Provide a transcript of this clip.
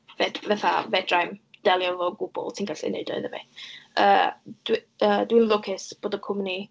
Fed- fatha fedra i'm delio efo fo gwbl, ti'n gallu wneud o iddo fi? Yy, dwi, yy, dwi'n lwcus bod y cwmni...